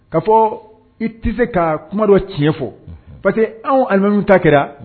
Ka fɔɔ i ti se kaa kuma dɔ tiɲɛ fɔ unhun parce que anw alimamuw ta kɛra